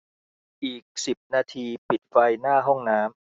อีกสิบนาทีปิดไฟหน้าห้องน้ำ